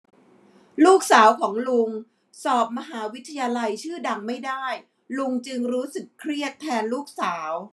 ลูกสาวของลุงสอบมหาวิทยาลัยชื่อดังไม่ได้ลุงจึงรู้สึกเครียดแทนลูกสาว